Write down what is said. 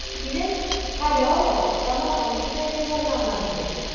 Килен: хәле авыр, тамагым кибә, дип зарлана, диде.